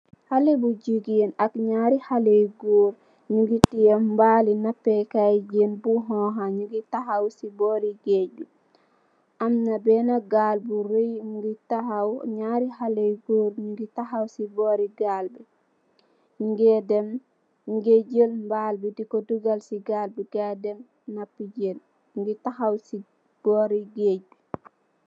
Halle bu jigeen, ak nyaari halle yu goor nyungi tiyeeh mbaali napee kaay jeun bu hooha nyungi tahaw si booru geej bi, amna bena gaal bu reuye mungi tahaw, nyaari halle yu goor nyungi tahaw si boori gaal bi, nyungee dem, nyugee jeul mbaal bi diko dugal si gaal bi gaayi dem napi jeun, nyungi tahaw si boori geej bi.